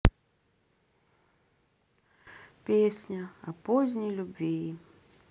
песня о поздней любви